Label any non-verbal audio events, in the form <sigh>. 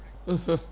<hesitation> <hesitation>